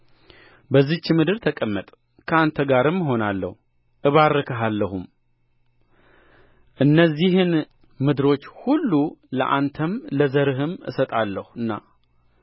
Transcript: በዚህች ምድር ተቀመጥ ከአንተ ጋርም እሆናለሁ እባርክሃለሁም እነዚህን ምድሮች ሁሉ ለአንተም ለዘርህም እሰጣለሁና